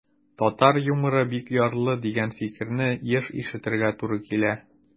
Татар юморы бик ярлы, дигән фикерне еш ишетергә туры килә.